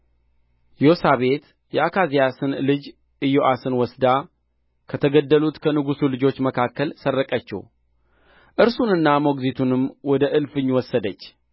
ዮሳቤት የአካዝያስን ልጅ ኢዮአስን ወስዳ ከተገደሉት ከንጉሥ ልጆች መካከል ሰረቀችው እርሱንና ሞግዚቱንም ወደ እልፍኝ ወሰደች